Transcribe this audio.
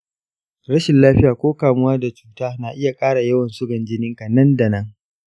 rashin lafiya ko kamuwa da cuta na iya ƙara yawan sugan jininka nan da nan.